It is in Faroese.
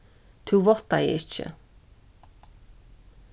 tú váttaði ikki